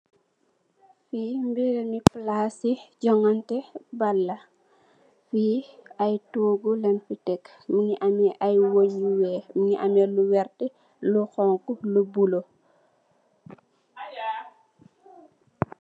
Fi mbèh ray mu palaas su jogantè ball la. Fi ay toogu leen fi tekk, mungi ameh ay wënn yu weeh, mungi ameh lu vert, honku, lu bulo.